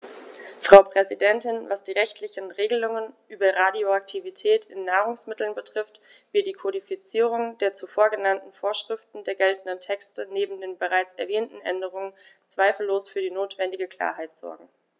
Frau Präsidentin, was die rechtlichen Regelungen über Radioaktivität in Nahrungsmitteln betrifft, wird die Kodifizierung der zuvor genannten Vorschriften der geltenden Texte neben den bereits erwähnten Änderungen zweifellos für die notwendige Klarheit sorgen.